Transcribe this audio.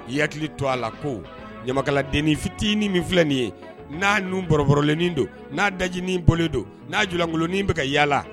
I ya to a la ko ɲamakaladenin fitinin min filɛ nin ye n'a ninnuɔrɔorolenin don n'a dacinin bololen don n'a jɔlankolonin bɛ ka yalala